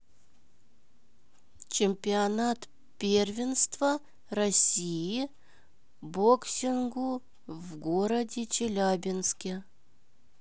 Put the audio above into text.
чемпионат первенства россии боксингу в городе челябинске